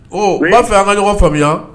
Ɔ u b'a fɛ an ka ɲɔgɔn faamuya